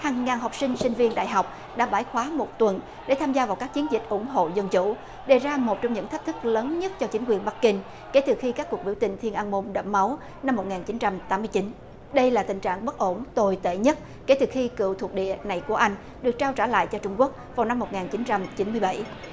hàng ngàn học sinh sinh viên đại học đã bãi khóa một tuần để tham gia vào các chiến dịch ủng hộ dân chủ đề ra một trong những thách thức lớn nhất cho chính quyền bắc kinh kể từ khi các cuộc biểu tình thiên an môn đẫm máu năm một ngàn chín trăm tám mươi chín đây là tình trạng bất ổn tồi tệ nhất kể từ khi cựu thuộc địa này của anh được trao trả lại cho trung quốc vào năm một ngàn chín trăm chín mươi bảy